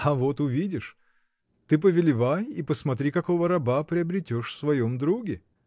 — А вот увидишь: ты повелевай и посмотри, какого раба приобретешь в своем друге.